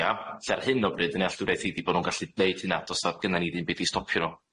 Ia? Lle ar hyn o bryd yn ealldwriaeth i di bo' nw'n gallu neud hynna do's a- gynna ni ddim byd i stopio nw.